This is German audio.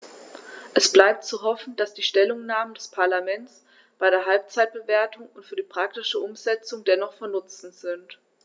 Es bleibt zu hoffen, dass die Stellungnahmen des Parlaments bei der Halbzeitbewertung und für die praktische Umsetzung dennoch von Nutzen sind.